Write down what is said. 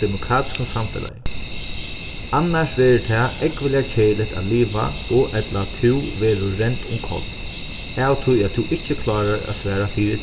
demokratiskum samfelagi annars verður tað ógvuliga keðiligt at liva og ella tú verður rend um koll av tí at tú ikki klárar at svara fyri